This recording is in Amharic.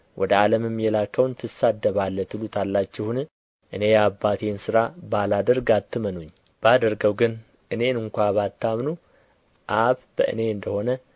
ወደ ዓለምም የላከውን ትሳደባለህ ትሉታላችሁን እኔ የአባቴን ሥራ ባላደርግ አትመኑኝ ባደርገው ግን እኔን ስንኳ ባታምኑ አብ በእኔ እንደ ሆነ